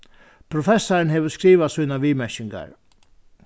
professarin hevur skrivað sínar viðmerkingar